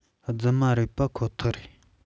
རྫུན མ རེད པ ཁོ ཐག རེད